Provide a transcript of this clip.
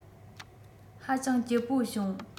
ཧ ཅང སྐྱིད པོ བྱུང